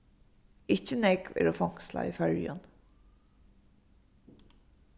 ikki nógv eru fongslað í føroyum